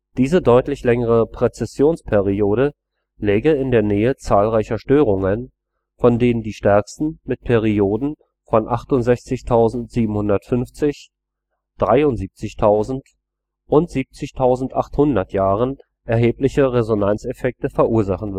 Diese deutlich längere Präzessionsperiode läge in der Nähe zahlreicher Störungen, von denen die stärksten mit Perioden von 68750, 73000 und 70800 Jahren erhebliche Resonanzeffekte verursachen